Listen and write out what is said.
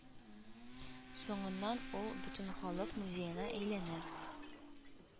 Соңыннан ул бөтенхалык музеена әйләнә